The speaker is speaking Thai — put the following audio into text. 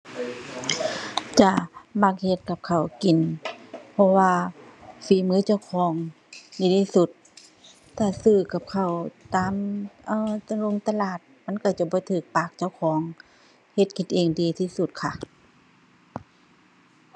จ้ะ มักเฮ็ดกับข้าวกิน เพราะว่าฝีมือเจ้าของดีที่สุด แต่ซื้อกับข้าวตาม เอ่อ ตะลงตลาดมันก็จะบ่ก็ปากเจ้าของ เฮ็ดกินเองดีที่สุดค่ะ